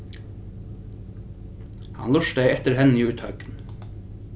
hann lurtaði eftir henni í tøgn